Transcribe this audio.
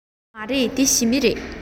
མ རེད འདི ཞི མི རེད